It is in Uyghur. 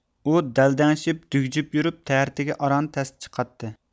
ئۇ دەلدەڭشىپ دۈگجۈپ يۈرۈپ تەرىتىگە ئاران تەستە چىقاتتى